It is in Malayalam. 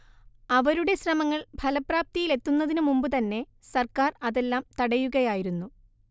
അവരുടെ ശ്രമങ്ങൾ ഫലപ്രാപ്തിയിലെത്തുന്നതിനു മുമ്പു തന്നെ സർക്കാർ അതെല്ലാം തടയുകയായിരുന്നു